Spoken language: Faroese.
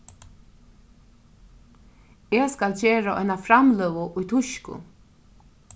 eg skal gera eina framløgu í týskum